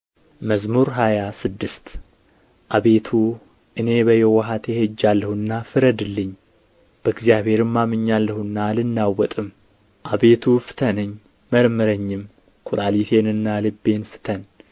መዝሙር ሃያ ስድስት አቤቱ እኔ በየውሃቴ ሄጃለሁና ፍረድልኝ በእግዚአብሔርም አምኛለሁና አልናወጥም አቤቱ ፍተነኝ መርምረኝም ኵላሊቴንና ልቤን ፍተን